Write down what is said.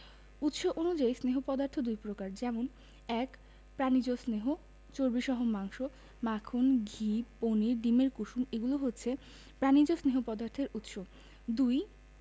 উৎস অনুযায়ী স্নেহ পদার্থ দুই প্রকার যেমন ১. প্রাণিজ স্নেহ চর্বিসহ মাংস মাখন ঘি পনির ডিমের কুসুম এগুলো হচ্ছে প্রাণিজ স্নেহ পদার্থের উৎস ২